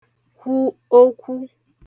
kwu okwū